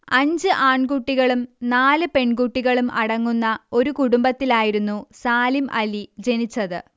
അഞ്ച് ആൺകുട്ടികളും നാല് പെൺകുട്ടികളും അടങ്ങുന്ന ഒരു കുടുംബത്തിൽ ആയിരുന്നു സാലിം അലി ജനിച്ചത്